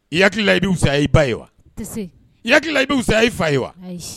I hakilila i bɛ fisa i ba ye wa ya i bɛ fisa i fa ye wa